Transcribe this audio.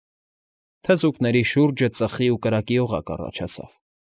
Թզուկների շուրջը ծխի ու կրակի օղակ առաջացավ։